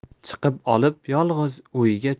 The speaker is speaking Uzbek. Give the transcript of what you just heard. chiqib olib yolg'iz o'yga